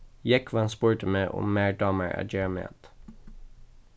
jógvan spurdi meg um mær dámar at gera mat